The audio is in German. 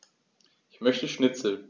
Ich möchte Schnitzel.